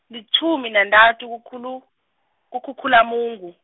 litjhumi nantathu kukhulu, kuKhukhulamungu.